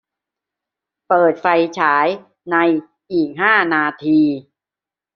เปิดไฟฉายในอีกห้านาที